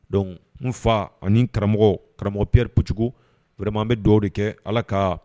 Donc n fa ani karamɔgɔ karamɔgɔpipɛri kojugu wɛrɛma bɛ dɔw de kɛ ala ka